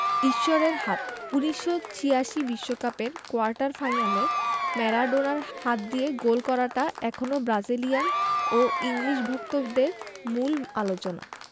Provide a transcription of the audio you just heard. ঈশ্বরের হাত ১৯৮৬ বিশ্বকাপের কোয়ার্টার ফাইনালে ম্যারাডোনার হাত দিয়ে গোল করাটা এখনো ব্রাজিলিয়ান ও ইংলিশ ভক্তদের মূল আলোচনা